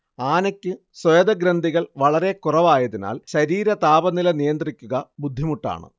ആനയ്ക്ക് സ്വേദഗ്രന്ഥികൾ വളരെക്കുറവായതിനാൽ ശരീരതാപനില നിയന്ത്രിക്കുക ബുദ്ധിമുട്ടാണ്